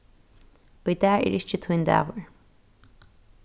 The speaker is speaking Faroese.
í dag er ikki tín dagur